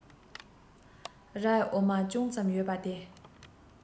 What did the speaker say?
རའི འོ མ ཅུང ཙམ ཡོད པ དེ